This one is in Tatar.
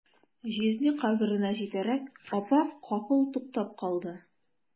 Җизни каберенә җитәрәк, апа капыл туктап калды.